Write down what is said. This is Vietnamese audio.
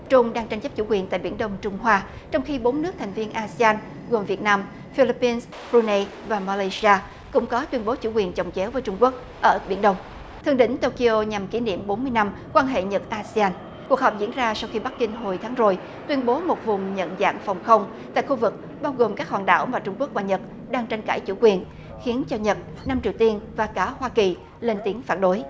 trung đang tranh chấp chủ quyền tại biển đông trung hoa trong khi bốn nước thành viên a sê an gồm việt nam phi líp pin bờ ru nây và ma lây si a cũng có tuyên bố chủ quyền chồng chéo với trung quốc ở biển đông thượng đỉnh tô ki ô nhằm kỷ niệm bốn mươi năm quan hệ nhật a sê an cuộc họp diễn ra sau khi bắc kinh hồi tháng rồi tuyên bố một vùng nhận dạng phòng không tại khu vực bao gồm các hòn đảo mà trung quốc và nhật đang tranh cãi chủ quyền khiến cho nhật nam triều tiên và cả hoa kỳ lên tiếng phản đối